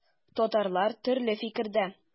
Татарлар төрле фикердә.